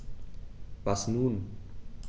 Was nun?